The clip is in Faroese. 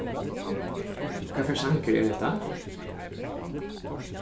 hvat fyri sangur er hetta